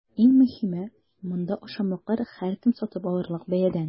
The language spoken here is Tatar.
Иң мөһиме – монда ашамлыклар һәркем сатып алырлык бәядән!